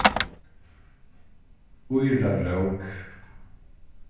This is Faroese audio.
írarók